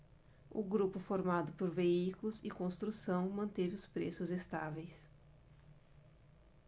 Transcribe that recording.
o grupo formado por veículos e construção manteve os preços estáveis